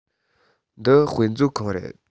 འདི དཔེ མཛོད ཁང རེད